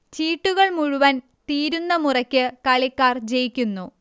ചീട്ടുകൾ മുഴുവൻ തീരുന്ന മുറയ്ക്ക് കളിക്കാർ ജയിക്കുന്നു